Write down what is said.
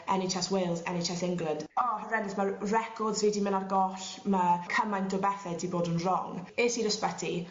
En Aitch Ess Wales En Aitch Ess England oh horrendous ma'r records fi 'di myn' ar goll ma' cymaint o bethe 'di bod yn rong. Es i'r ysbyty